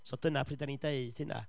So dyna pryd dan ni'n deud hynna.